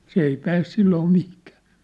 se ei pääse silloin mihinkään